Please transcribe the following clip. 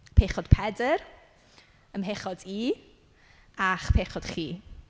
Pechod Pedr ym mhechod i a'ch pechod chi.